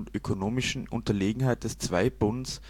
ökonomischen Unterlegenheit des Zweibunds